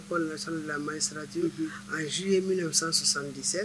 Pole national de la magistrature unhun en juillet 1977